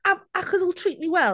Am... achos he'll treat me well.